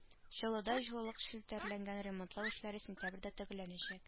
Чаллыда җылылык челтәрләрләнгән ремонтлау эшләре сентябрьдә төгәлләнәчәк